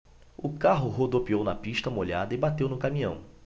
o carro rodopiou na pista molhada e bateu no caminhão